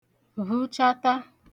vhụchata